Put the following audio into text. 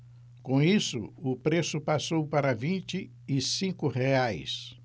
com isso o preço passou para vinte e cinco reais